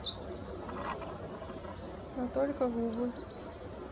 но только губы